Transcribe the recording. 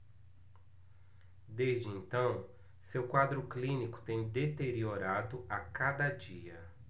desde então seu quadro clínico tem deteriorado a cada dia